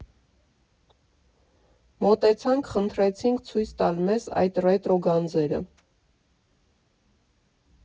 Մոտեցանք, խնդրեցինք ցույց տալ մեզ այդ ռետրո գանձերը։